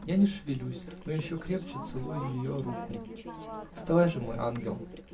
Я не шевелюсь, но еще крепче целую ее руку. -- Вставай же, мой ангел.